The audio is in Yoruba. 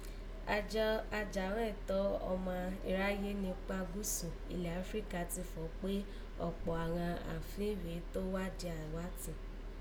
Àjọ ajàghúnẹ̀tọ́ ọma iráyé napá Gúúsù ilẹ̀ Áfíríkà ti fọ̀ọ́ kpé òkpọ̀ àghan àfin rèé tọ́n dà àwátì